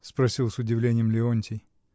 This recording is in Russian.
— спросил с удивлением Леонтий.